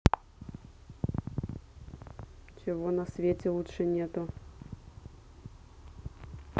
чего на свете лучше нету